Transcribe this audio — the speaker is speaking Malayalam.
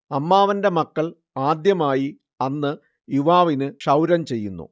അമ്മാവന്റെ മക്കൾ ആദ്യമായി അന്ന് യുവാവിന് ക്ഷൗരം ചെയ്യുന്നു